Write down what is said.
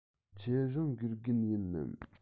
ཁྱེད རང དགེ རྒན ཡིན ནམ